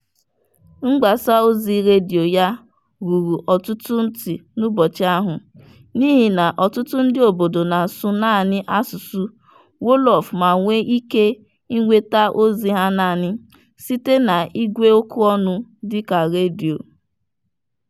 Mgbasaozi redio ya ruru ọtụtụ ntị n'ụbọchị ahụ, n'ihi na ọtụtụ ndị obodo na-asụ naanị asụsụ Wolof ma nwee ike nweta ozi ha naanị site na ígwèokwu ọnụ dịka redio.